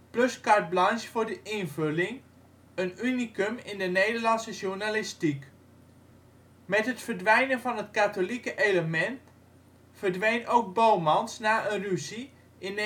plus carte blanche voor de invulling - een unicum in de Nederlandse journalistiek. Met het verdwijnen van het katholieke element verdween ook Bomans na een ruzie, in